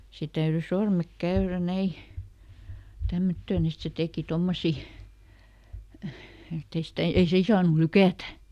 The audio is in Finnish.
se täytyi sormet käydä näin tämmöttöön että se teki tuommoisia että ei sitä ei siinä saanut lykätä